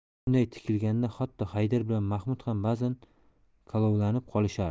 shunday tikilganda hatto haydar bilan mahmud ham ba'zan kalovlanib qolishardi